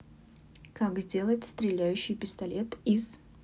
как сделать стреляющий пистолет из